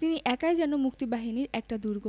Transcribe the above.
তিনি একাই যেন মুক্তিবাহিনীর একটা দুর্গ